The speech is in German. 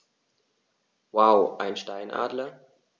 Wow! Einen Steinadler?